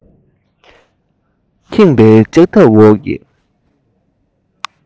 ཁེངས པའི ལྕགས ཐབ འོག ནས